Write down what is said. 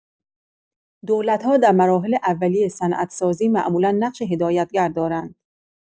دولت‌ها در مراحل اولیۀ صنعتی‌سازی معمولا نقش هدایت‌گر دارند.